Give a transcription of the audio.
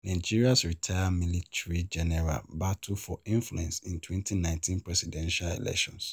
Nigeria's retired military generals battle for influence in 2019 presidential elections